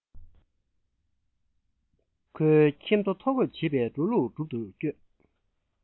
ཁོའི ཁྱིམ ཐོ ཐོ འགོད བྱེད པའི འགྲོ ལུགས སྒྲུབ ཏུ བསྐྱོད